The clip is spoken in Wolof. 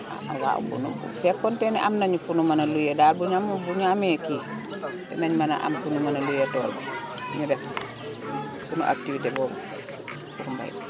waaw buñu bu fekkoon te ni am nañu fuñu mën a loué daal bu ñu amoon bu ñu amee kii dinañu mën a am fu énu mën a loué tool ñu def suñu activité boobu pour mbay